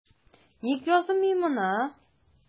Ник яздым мин моны?